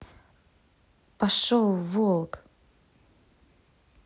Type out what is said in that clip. пошел волк